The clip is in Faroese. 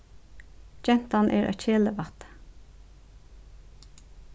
gentan er eitt kelivætti